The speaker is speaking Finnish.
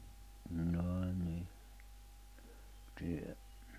jaa niin tiedä